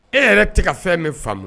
E yɛrɛ tɛ ka fɛn min faamuya